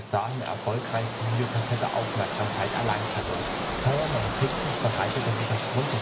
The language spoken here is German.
dahin erfolgreichste Videokassette Aufmerksamkeit erlangt hatte. Paramount Pictures bereitete sich aufgrund